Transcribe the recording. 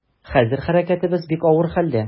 Хәзер хәрәкәтебез бик авыр хәлдә.